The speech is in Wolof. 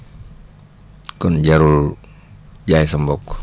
kon jarul jaay sa mbokk